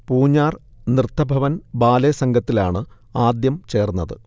Poonjar Nrithabhavan ballet സംഘത്തിലാണ് ആദ്യം ചേർന്നത്